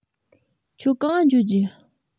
ཁྱོད གང ང འགྱོ རྒྱུ